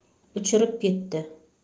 uchirib ketdi